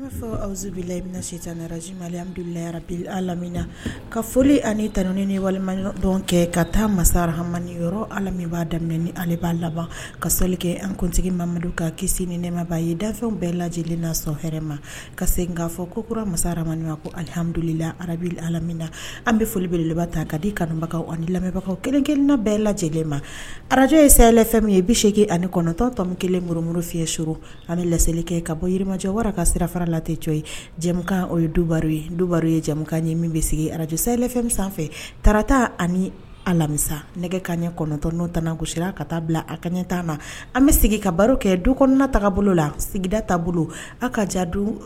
Foli ani walima ka taa masa hama b'a daminɛ'a laban kali antigi ka kisima ye bɛɛ lajɛlen k kodu an folielebagaw ani lamɛnbagaw bɛɛ lajɛlen ma araj ye ye bɛ se anitɔn tɔmi kelenmuru fi sur ani laeli kɛ ka bɔ jirimacɛ wara ka sira fara latɛ yekan o ye duba ye duba ye jamumukan ye min bɛ sigi araj sanfɛ taarata ani alamisa nɛgɛ ka ɲɛ kɔnɔntɔn'o tɛna gosira ka taa bila a ka ɲɛ taama na an bɛ sigi ka baro kɛ du kɔnɔna ta bolo la sigida' bolo aw ka jaabi